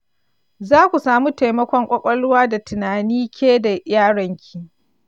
zaku samu taimakon ƙwaƙwalwa da tinani ke da yaron ki.